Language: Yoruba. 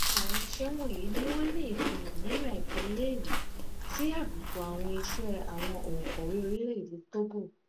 Gbogbo àwọn iṣẹ́ wọ̀nyìí ni wọ́n ní ìfihàn nínú ẹ̀kọ́ ilé-ìwé, sí àbùkù àwọn iṣẹ́ àwọn òǹkọ̀wé orílẹ̀-èdè Togo.